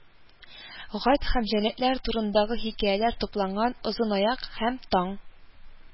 Гать һәм җәнлекләр турындагы хикәяләре тупланган «озын аяк» һәм «таң